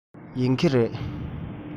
ཡིན གྱི རེད